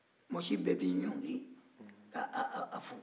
mɔsi bɛɛ b'i ɲɔngiri k'a fo